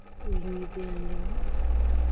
uyingiz yangimi